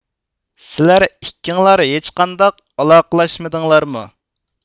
سىلەر ئىككىڭلار ھېچقانداق ئالاقىلاشمىدىڭلارمۇ